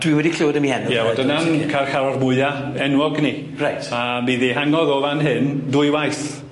Dwi wedi clywed am 'i enw... Ie, wel dyna'n carcharor fwya enwog ni. Reit. A mi ddihangodd o fan hyn dwy waith.